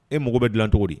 E mako bɛ dilan cogo di